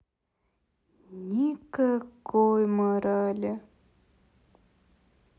никакой морали